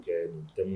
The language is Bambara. Jamu